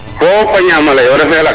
fopa ñama le yo refe lakas